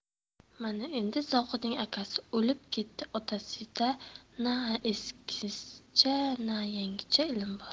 mana endi zohidning akasi o'lib ketdi otasida na eskicha na yangicha ilm bor